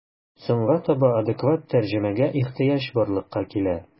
Соңга таба адекват тәрҗемәгә ихҗыяҗ барлыкка килә.